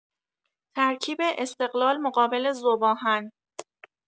ترکیب استقلال مقابل ذوب‌آهن